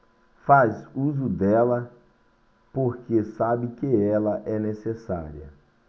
faz uso dela porque sabe que ela é necessária